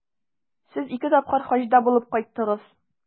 Сез ике тапкыр Хаҗда булып кайттыгыз.